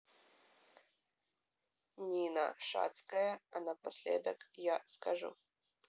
нина шацкая а напоследок я скажу